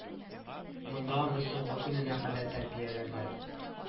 Монда аны соңгы көненә кадәр тәрбияләрләр